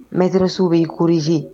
Mdrisiww bɛ'i k korie